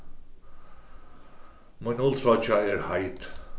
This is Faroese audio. mín ulltroyggja er heit